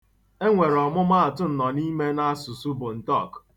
E nwere ọmụma atụ nnọnime n'asụsụ Bontoc.